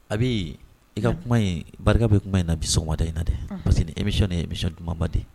A bɛ i ka kuma in barika bɛ kuma in na bi sɔnda in na dɛ parce que emi ninmiri kuma ma de